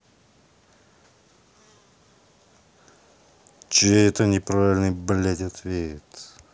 чей это неправильный блядь ответ